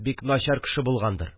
Бик начар кеше булгандыр